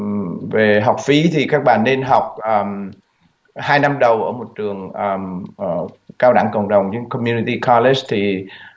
về học phí thì các bạn nên học ờm hai năm đầu ở một trường ờm ở cao đẳng cộng đồng com mu ni ti co lít thì